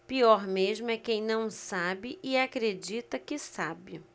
pior mesmo é quem não sabe e acredita que sabe